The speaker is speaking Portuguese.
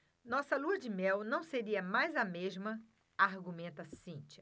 nossa lua-de-mel não seria mais a mesma argumenta cíntia